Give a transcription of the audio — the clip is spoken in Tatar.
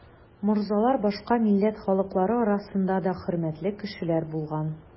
Морзалар башка милләт халыклары арасында да хөрмәтле кешеләр булган.